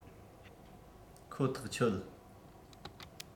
ཁོ ཐག ཆོད